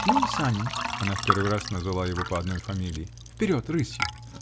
Ну, Санин (она в первый раз названа его по одной фамилии), -- вперед, рысью!